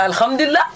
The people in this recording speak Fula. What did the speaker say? alhamdilla